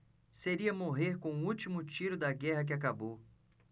seria morrer com o último tiro da guerra que acabou